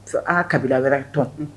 Sabu aa kabila wɛrɛ tɔn